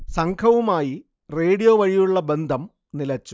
സംഘവുമായി റേഡിയോ വഴിയുള്ള ബന്ധം നിലച്ചു